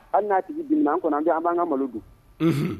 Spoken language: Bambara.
Hali n'a tigi dimi na an kɔnɔ an b'an ka malo dun, unhun.